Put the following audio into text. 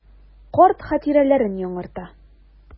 Карт хатирәләрен яңарта.